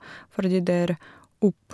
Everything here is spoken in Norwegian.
Fordi det er opp.